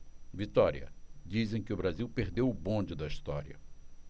vitória dizem que o brasil perdeu o bonde da história